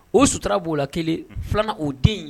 O sutura b'o la, kelen. filanan o den